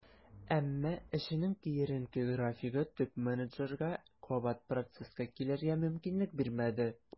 Әмма эшенең киеренке графигы топ-менеджерга кабат процесска килергә мөмкинлек бирмәде.